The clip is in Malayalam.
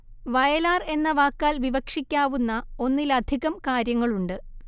വയലാർ എന്ന വാക്കാൽ വിവക്ഷിക്കാവുന്ന ഒന്നിലധികം കാര്യങ്ങളുണ്ട്